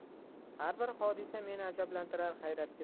har bir hodisa meni ajablantirar hayratga